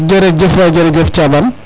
jerejef waay jerejef Thiaban